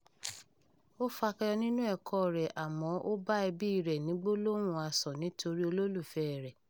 Ó f'akọyọ nínú ẹ̀kọ́ọ rẹ̀ àmọ́ ó bá ẹbíi rẹ̀ ní gbólóhùn asọ̀ nítorí olólùfẹ́ẹ rẹ̀.